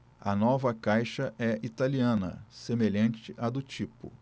a nova caixa é italiana semelhante à do tipo